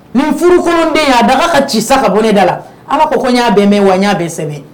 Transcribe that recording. Nin furu kolonden in a daga ka ci sa ka bɔ, ne da la a fɔ n y'a bɛɛ mɛn wa n y'a bɛ kɛ